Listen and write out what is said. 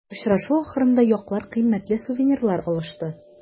Очрашу ахырында яклар кыйммәтле сувенирлар алышты.